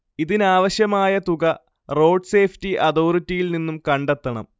ഇതിനാവശ്യമായ തുക road safety അതോറിറ്റിയിൽ നിന്നും കണ്ടെത്തണം